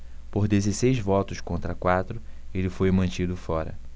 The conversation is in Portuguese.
por dezesseis votos contra quatro ele foi mantido fora